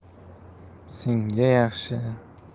senga yaxshi